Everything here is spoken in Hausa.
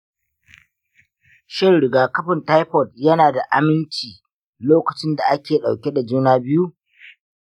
shin rigakafin taifod yana da aminci lokacin da ake ɗauke da juna biyu?